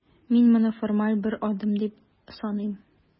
Мин моны формаль бер адым дип саныйм.